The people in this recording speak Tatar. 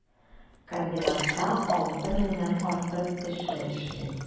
Комбинатта 6 меңнән артык кеше эшли.